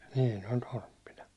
niin ne oli torppina